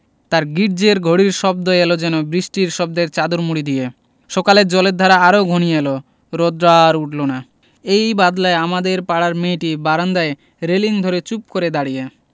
তার গির্জ্জের ঘড়ির শব্দ এল যেন বৃষ্টির শব্দের চাদর মুড়ি দিয়ে সকালে জলের ধারা আরো ঘনিয়ে এল রোদ্র আর উঠল না এই বাদলায় আমাদের পাড়ার মেয়েটি বারান্দায় রেলিঙ ধরে চুপ করে দাঁড়িয়ে